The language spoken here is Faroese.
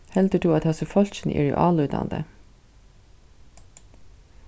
heldur tú at hasi fólkini eru álítandi